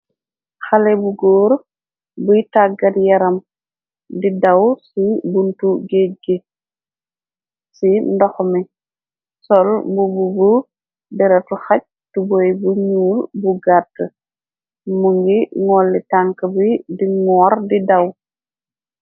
Xale bu góor buy tàggat yaram, di daw ci buntu géej gi, ci ndox mi, sol bubu bu deratu xaj, tubooy bu ñuul bu gatt, mu ngi nolli tank bi di noor di daw.